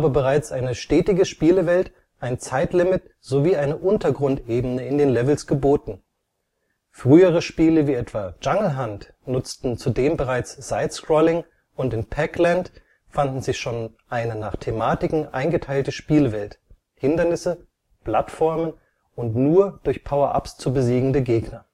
bereits eine stetige Spielwelt, ein Zeitlimit sowie eine Untergrund-Ebene in den Levels geboten. Frühere Spiele wie etwa Jungle Hunt (Arcade, 1982) nutzten zudem bereits Side-Scrolling und in Pac-Land (Arcade, 1984) fanden sich schon eine nach Thematiken eingeteilte Spielwelt, Hindernisse, Plattformen und nur durch Power-ups zu besiegende Gegner